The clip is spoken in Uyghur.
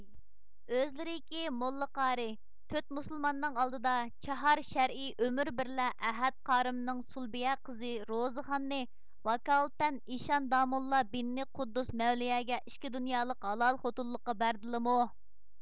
ئۆزلىرىكى موللا قارىي تۆت مۇسۇلماننىڭ ئالدىدا چاھار شەرئى ئۆمۈر بىرلە ئەھەت قارىمنىڭ سۇلبىيە قىزى روزىخاننى ۋاكالىتەن ئىشان داموللا بىننى قۇددۇس مەۋلىيەگە ئىككى دۇنيالىق ھالال خوتۇنلۇققا بەردىلىمۇ